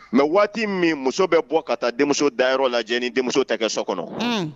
Mɛ waati min muso bɛ bɔ ka taa denmuso dayɔrɔ lajɛ ni denmuso tɛ so kɔnɔ